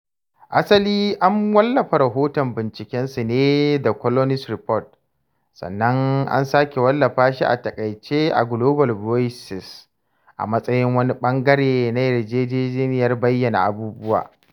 Asali an wallafa rahoton bincikensu ne a The Colonist Report, sannan an sake wallafa shi a taƙaice a Global Voices a matsayin wani ɓangare na yarjejeniyar bayyana abubuwa.